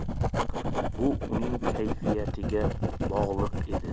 bu uning kayfiyatiga bog'liq edi